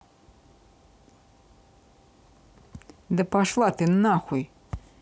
да пошла ты нахуй